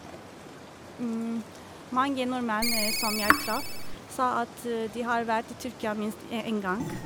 Mange nordmenn som jeg traff, sa at de har vært i Tyrkia minst e én gang.